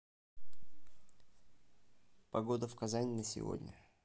погода в казани на сегодня